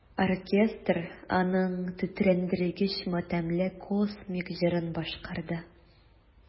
Оркестр аның тетрәндергеч матәмле космик җырын башкарды.